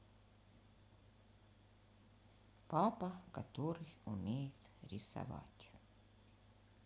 папа который умеет рисовать